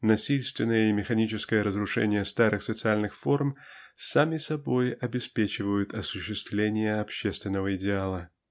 насильственное и механическое разрушение старых социальных форм сами собой обеспечивают осуществление общественного идеала.